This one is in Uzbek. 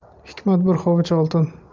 hikmat bir hovuch oltin